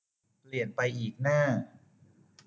เปลี่ยนไปอีกหน้า